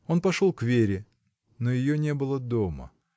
Он пошел к Вере, но ее не было дома.